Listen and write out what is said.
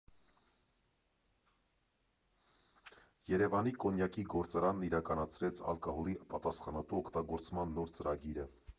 Երևանի կոնյակի գործարանն իրականացրեց ալկոհոլի պատասխանատու օգտագործման նոր ծրագիրը։